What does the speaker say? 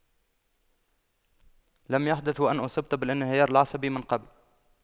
لم يحدث وأن أصبت بالانهيار العصبي من قبل